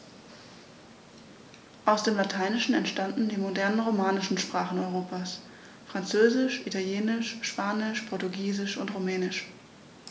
Aus dem Lateinischen entstanden die modernen „romanischen“ Sprachen Europas: Französisch, Italienisch, Spanisch, Portugiesisch und Rumänisch.